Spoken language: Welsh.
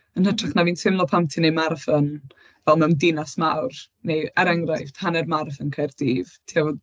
Yn hytrach na... m-hm ...fi'n teimlo pam ti'n wneud marathon fel mewn dinas mawr neu er enghraifft, hanner marathon Caerdydd. Ti efo...